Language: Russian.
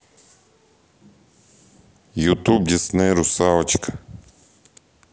ютуб дисней русалочка